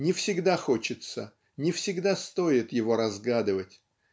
Не всегда хочется, не всегда стоит его разгадывать.